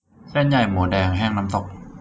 เส้นใหญ่หมูแดงแห้งน้ำตก